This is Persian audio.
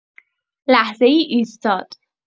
لحظه‌ای ایستاد